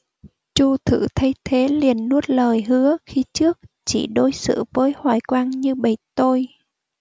chu thử thấy thế liền nuốt lời hứa khi trước chỉ đối xử với hoài quang như bầy tôi